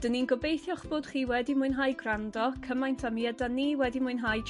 'dyn ni'n gobeithio'ch bod chi wedi mwynhau gwrando cymaint â mi ydan ni wedi mwynhau